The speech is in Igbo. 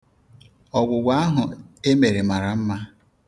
Ọgwụgwọ ahụ e mere mara mma.